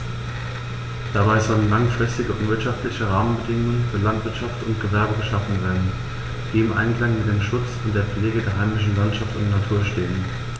Dabei sollen langfristige und wirtschaftliche Rahmenbedingungen für Landwirtschaft und Gewerbe geschaffen werden, die im Einklang mit dem Schutz und der Pflege der heimischen Landschaft und Natur stehen.